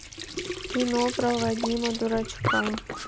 кино про вадима дурачка